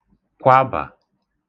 kwabà